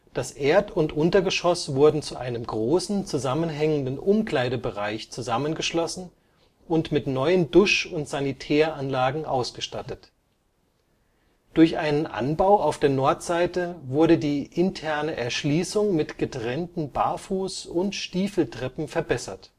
Das Erd - und Untergeschoss wurden zu einem großen, zusammenhängenden Umkleidebereich zusammengeschlossen und mit neuen Dusch - und Sanitäranlagen ausgestattet. Durch einen Anbau auf der Nordseite wurde die interne Erschließung mit getrennten Barfuß - und Stiefeltreppen verbessert